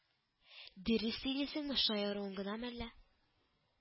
Дөрес сөйлисеңме, шаяруың гынамы әллә